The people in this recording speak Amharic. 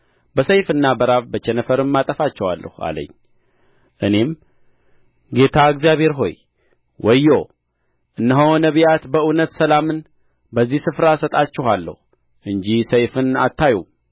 በሰይፍና በራብ በቸነፈርም አጠፋቸዋለሁ አለኝ እኔም ጌታ እግዚአብሔር ሆይ ወዮ እነሆ ነቢያት በእውነት ሰላምን በዚህ ስፍራ እሰጣችኋለሁ እንጂ ሰይፍን አታዩም